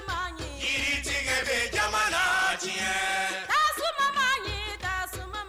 San j jama diɲɛ suba mag da suma